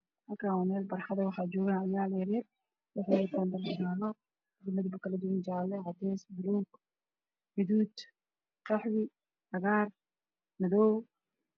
Meeshaan wa meel barxad waxaa joogan ciyaal yar yar waxey wadtaan dhar jaalo cadees baluug gaduud qaxwi cagaar madow